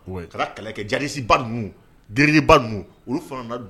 Kɛlɛkɛ jarisiba ninnuba ninnu olu fana